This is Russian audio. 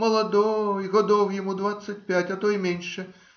Молодой, годов ему двадцать пять, а то и меньше.